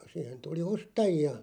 siihen tuli ostajia